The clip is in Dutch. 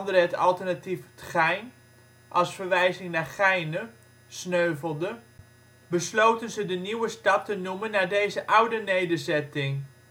het alternatief "' t Gein " als verwijzing naar Geyne, sneuvelde) besloten ze de nieuwe stad te noemen naar deze oude nederzetting